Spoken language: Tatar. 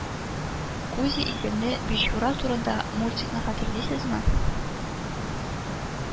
Кузя исемле бичура турында мультикны хәтерлисезме